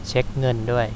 เช็คเงินด้วย